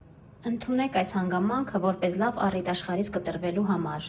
Ընդունեք այս հանգամանքը, որպես լավ առիթ աշխարհից կտրվելու համար։